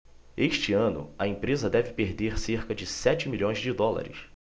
este ano a empresa deve perder cerca de sete milhões de dólares